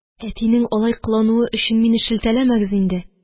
Әтинең алай кылынуы өчен мине шелтәләмәгез инде,